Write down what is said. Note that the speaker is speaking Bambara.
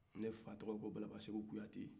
ne fa tɔgɔ ko balaba seku kuyate